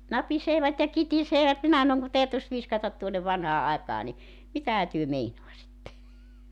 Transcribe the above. napisevat ja kitisevät minä sanon kun täytyisi viskata tuonne vanhaan aikaan niin mitähän te meinaisitte